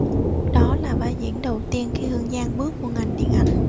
đó là vai diễn đầu tiên khi hương giang bước vô ngành điện ảnh